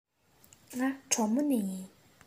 ང གྲོ མོ ནས ཡིན